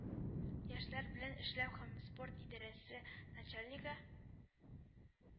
Яшьләр белән эшләү һәм спорт идарәсе начальнигы